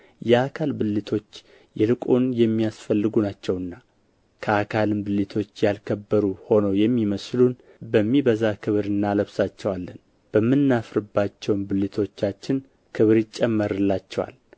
የአካል ብልቶች ይልቁን የሚያስፈልጉ ናቸው ከአካልም ብልቶች ያልከበሩ ሆነው የሚመስሉን በሚበዛ ክብር እናለብሳቸዋለን በምናፍርባቸውም ብልቶቻችን ክብር ይጨመርላቸዋል